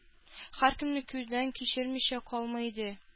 Һәркемне күздән кичермичә калмый иде.